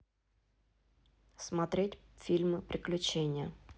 смотреть фильмы приключения